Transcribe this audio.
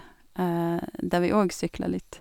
Der vi òg sykla litt.